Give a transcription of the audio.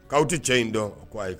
K'aw tɛ cɛ in dɔn ko ayi